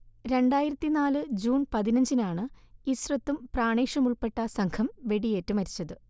രണ്ടായിരത്തി നാല് ജൂൺ പതിനഞ്ചിനാണ് ഇസ്രത്തും പ്രാണേഷുമുൾപ്പെട്ട സംഘം വെടിയേറ്റ് മരിച്ചത്